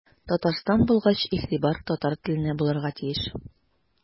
Татарстан булгач игътибар татар теленә булырга тиеш.